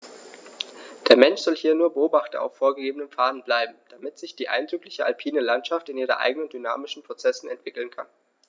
Der Mensch soll hier nur Beobachter auf vorgegebenen Pfaden bleiben, damit sich die eindrückliche alpine Landschaft in ihren eigenen dynamischen Prozessen entwickeln kann.